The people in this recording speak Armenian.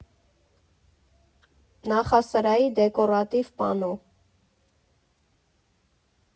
Նախասրահի դեկորատիվ պանո։